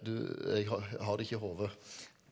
du jeg har det ikke i hodet.